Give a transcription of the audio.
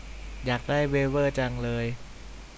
อยากได้เวเวอร์จังเลย